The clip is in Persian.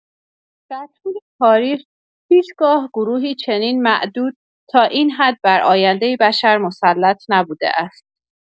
در طول تاریخ، هیچ‌گاه گروهی چنین معدود تا این حد بر آینده بشر مسلط نبوده است.